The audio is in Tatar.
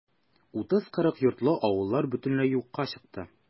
30-40 йортлы авыллар бөтенләй юкка чыкты.